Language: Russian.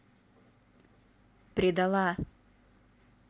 предала